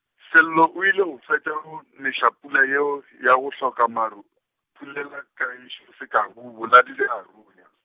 Sello o ile go fetša go neša pula yeo ya go hloka maru, phulela Kagišo sekaku boladu bja runya.